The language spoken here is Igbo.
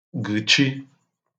gə̀chi